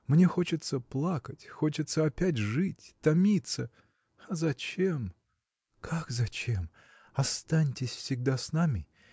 мне хочется плакать, хочется опять жить, томиться. а зачем? – Как зачем? Останьтесь всегда с нами